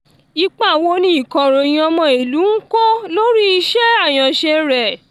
Ipa wo ní ìkọ̀ròyìn ọmọ-ìlú ń kó lórí iṣẹ́ àyànṣe rẹ?